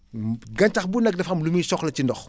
gàncax bu nekk dafa am lu muy soxla ci ndox